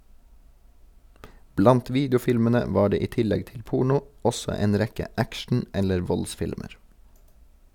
Blant videofilmene var det i tillegg til porno, også en rekke action- eller voldsfilmer.